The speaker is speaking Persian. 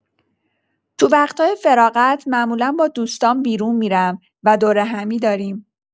تو وقتای فراغت معمولا با دوستام بیرون می‌رم و دورهمی داریم.